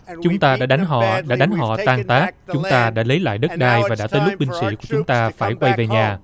chúng ta đã đánh tan tác chúng ta đã lấy lại đất đai và đã tới lúc binh sĩ chúng ta phải quay về nhà